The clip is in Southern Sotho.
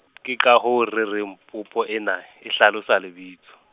ke ka hoo re reng popo ena, e hlalosa lebitso.